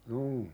juu